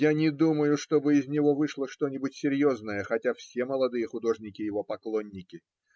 Я не думаю, чтобы из него вышло что-нибудь серьезное, хотя все молодые художники его поклонники.